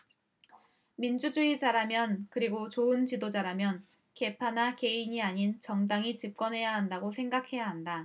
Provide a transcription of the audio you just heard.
민주주의자라면 그리고 좋은 지도자라면 계파나 개인이 아닌 정당이 집권해야 한다고 생각해야 한다